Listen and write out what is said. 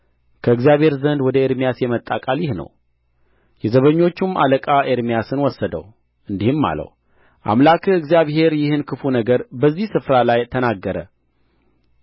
ከእግዚአብሔር ዘንድ ወደ ኤርምያስ የመጣ ቃል ይህ ነው የዘበኞቹም አለቃ ኤርምያስን ወሰደው እንዲህም አለው አምላክህ እግዚአብሔር ይህን ክፉ ነገር በዚህ ስፍራ ላይ ተናገረ